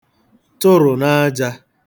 tụrụ̀ n'ajā